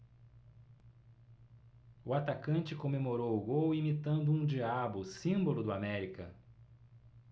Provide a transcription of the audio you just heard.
o atacante comemorou o gol imitando um diabo símbolo do américa